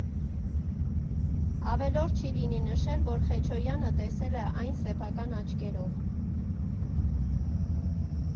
Ավելորդ չի լինի նշել, որ Խեչոյանը տեսել է այն սեփական աչքերով։